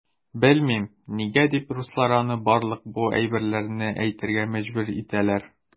Белмим, нигә дип руслар аны барлык бу әйберләрне әйтергә мәҗбүр итәләр.